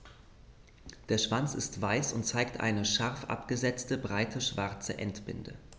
Der Schwanz ist weiß und zeigt eine scharf abgesetzte, breite schwarze Endbinde.